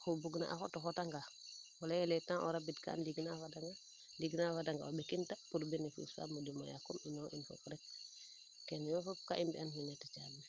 oxu bung na a xot a xota nga o leyele temps o rabid kaa nding na fada nga nding na fadanga o ɓekin ta pour benefice faa moƴo may comme ino in fop rek kene yo fop ka i mbiyan no ñeti caabi